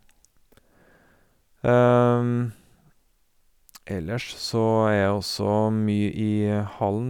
Ellers så er jeg også mye i hallen.